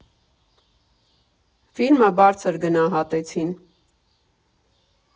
Ֆիլմը բարձր գնահատեցին։